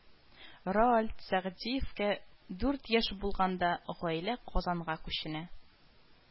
Роальд Сәгъдиевкә дүрт яшь булганда, гаилә Казанга күченә